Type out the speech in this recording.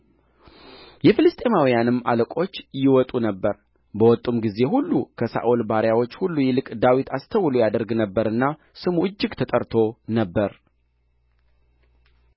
የፍልስጥኤማውያንም አለቆች ይወጡ ነበር በወጡም ጊዜ ሁሉ ከሳኦል ባሪያዎች ሁሉ ይልቅ ዳዊት አስተውሎ ያደርግ ነበርና ስሙ እጅግ ተጠርቶ ነበር